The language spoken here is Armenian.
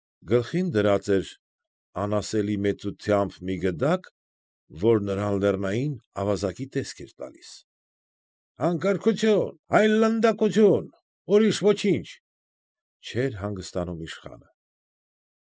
Գլխին դրած էր անասելի մեծությամբ մի գդակ, որ նրան լեռնային ավազակի տեսք էր տալիս։ ֊ Անկարգությո՛ւն, այլանդակությո՛ւն, ուրիշ ոչինչ,֊ չէր հանգստանում իշխանը։